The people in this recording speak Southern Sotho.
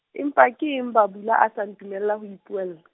empa keng Bhabula a sa ntumella ho ipuella ?